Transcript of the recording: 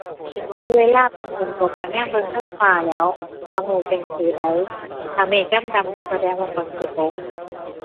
เวลาเบิ่งฝนตกก็แนมเบิ่งเทิงฟ้าแหล้ว ว่าเมฆเป็นสีใด ถ้าเมฆดำดำก็แสดงว่าฝนสิตก